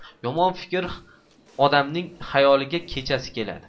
yomon fikr odamning xayoliga kechasi keladi